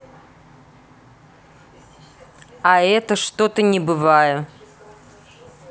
а это что то не бываю